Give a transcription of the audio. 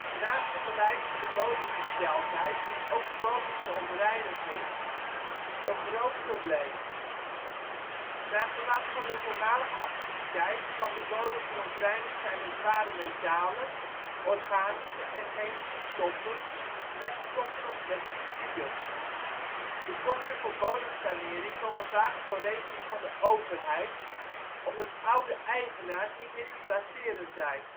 Naast de gewijzigde bodemgesteldheid, is ook de bodemverontreiniging (Duits: Altlast) een groot probleem. Naar gelang van de voormalige activiteit, kan de bodem verontreinigd zijn met zware metalen, organische en chemische stoffen, meststoffen of pesticiden. De kosten voor bodemsanering komen vaak voor rekening van de overheid omdat oude eigenaars niet meer te traceren zijn